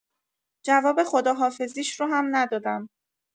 جواب خداحافظیش رو هم ندادم.